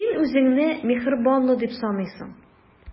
Син үзеңне миһербанлы дип саныйсың.